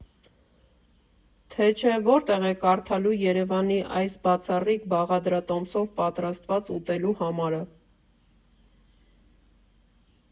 Թե չէ՝ որտե՞ղ եք կարդալու ԵՐԵՎԱՆի այս՝ բացառիկ բաղադրատոմսով պատրաստված ուտելու համարը։